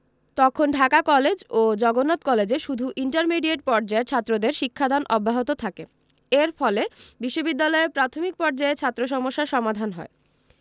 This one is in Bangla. তখন ঢাকা কলেজ ও জগন্নাথ কলেজে শুধু ইন্টারমিডিয়েট পর্যায়ের ছাত্রদের শিক্ষাদান অব্যাহত থাকে এর ফলে বিশ্ববিদ্যালয়ে প্রাথমিক পর্যায়ে ছাত্র সমস্যার সমাধান হয়